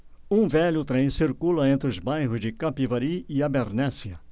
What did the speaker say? um velho trem circula entre os bairros de capivari e abernéssia